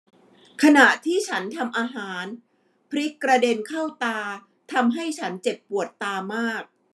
ขณะที่ฉันทำอาหารพริกกระเด็นเข้าตาทำให้ฉันเจ็บปวดตามาก